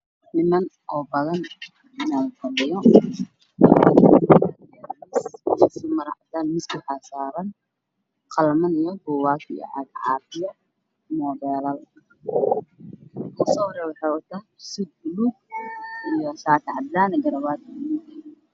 Niman oo badan oo fadhiyo maro cadaan miiska waxaa saaran qaliman iyo buugaag caag caafiya moobeelal midka soo horeeyo waxuu wataa suud baluug shaati cadaan garabaati baluug.